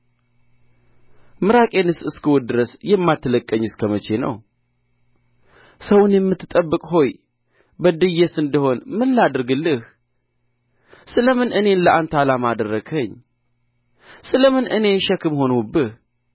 ምራቄንስ እስክውጥ ድረስ የማትለቅቀኝ እስከ መቼ ነው ሰውን የምትጠብቅ ሆይ በድዬስ እንደ ሆነ ምን ላድርግልህ ስለ ምን እኔን ለአንተ ዓላማ አደረግኸኝ ስለ ምን እኔ ሸክም ሆንሁብህ